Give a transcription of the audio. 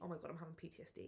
oh my god, I'm having PTSD